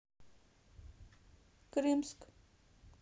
крымск